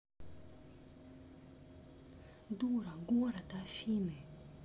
дура город афины